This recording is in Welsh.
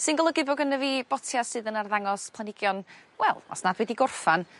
Sy'n golygu bo' gynno fi botia' sydd yn arddangos planhigion wel os nad wedi gorffan